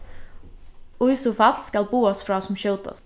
í so fall skal boðast frá sum skjótast